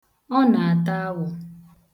Ọ na-ata awọ.